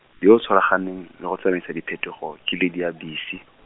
yo o tshwaraganeng, le go tsamaisa diphetogo, ke Lydia Bici.